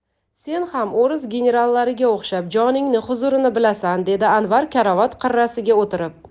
sen ham o'ris generallariga o'xshab joningning huzurini bilasan dedi anvar karavot qirrasiga o'tirib